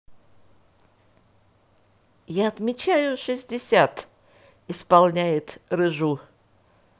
я отмечаю шестьдесят исполняет рыжу